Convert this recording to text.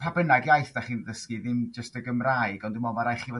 pa bynnag iaith 'da chi'n ddysgu ddim jyst y Gymraeg ond dwi me'l ma' raid i chi fod